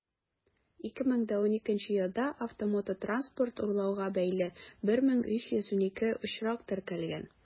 2012 елда автомототранспорт урлауга бәйле 1312 очрак теркәлгән.